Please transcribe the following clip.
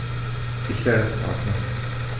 Ich werde es ausmachen